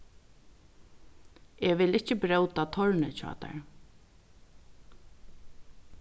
eg vil ikki bróta tornið hjá tær